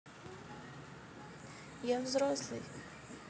я взрослый